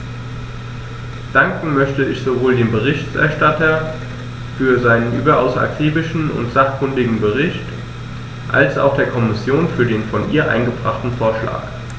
Danken möchte ich sowohl dem Berichterstatter für seinen überaus akribischen und sachkundigen Bericht als auch der Kommission für den von ihr eingebrachten Vorschlag.